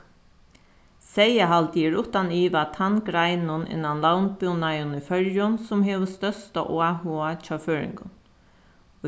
seyðahaldið er uttan iva tann greinin innan landbúnaðin í føroyum sum hevur størsta áhuga hjá føroyingum